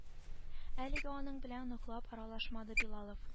Әлегә аның белән ныклап аралашмады билалов